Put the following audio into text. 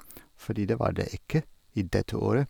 Fordi det var det ikke i dette året.